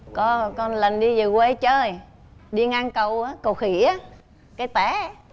có có một lần đi về quê chơi đi ngang cầu á cầu khỉ á cái té